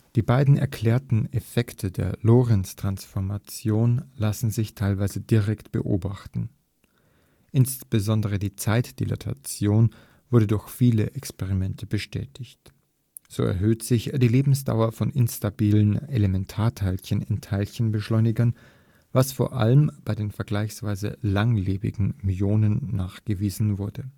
Die bereits erklärten Effekte der Lorentztransformationen lassen sich teilweise direkt beobachten. Insbesondere die Zeitdilatation wurde durch viele Experimente bestätigt. So erhöht sich die Lebensdauer von instabilen Elementarteilchen in Teilchenbeschleunigern, was vor allem bei den vergleichsweise langlebigen Myonen nachgewiesen wurde